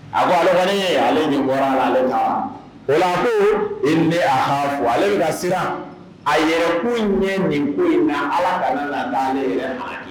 A ko ye ale nin bɔra ale ko ko i bɛ aha fɔ ale siran a yɛrɛkun ɲɛ nin ko in na ala laale yɛrɛ